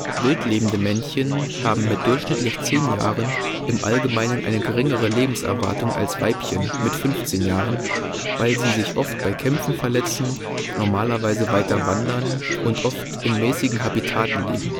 Wildlebende Männchen haben mit durchschnittlich zehn Jahren im Allgemeinen eine geringere Lebenserwartung als Weibchen mit 15 Jahren, weil sie sich oft bei Kämpfen verletzen, normalerweise weiter wandern und oft in mäßigen Habitaten leben